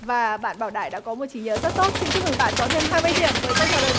và bạn bảo đại đã có một trí nhớ rất tốt xin chúc mừng bạn có thêm hai mươi điểm với câu trả lời